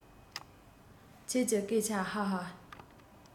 ཁྱོད ཀྱི སྐད ཆ ཧ ཧ